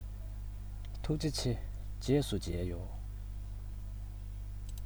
ཐུགས རྗེ ཆེ རྗེས སུ མཇལ ཡོང